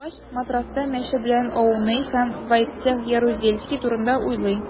Туйдыргач, матраста мәче белән ауный һәм Войцех Ярузельский турында уйлый.